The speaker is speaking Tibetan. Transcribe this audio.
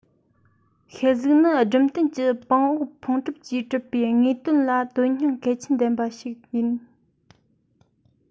ཤེལ གཟུགས ནི སྦྲུམ རྟེན གྱི པགས འོག ཕུང གྲུབ ཀྱིས གྲུབ པའི དངོས དོན ལ དོན སྙིང གལ ཆེན ལྡན པ ཡིན